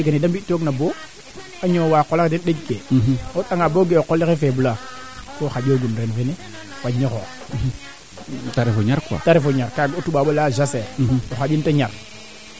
a jega xa qola xa ando naye a roka ngaan sax o duufa nge kaa ando naye a buuga o jem soti kee to laŋ ke in koy kaa commencer jomole bugu sonla in lool andaame foog i nges toox kaa ando naye xana ñoxor fojemole moom i mbuga nga continuer ndef xoxox